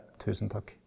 tusen takk.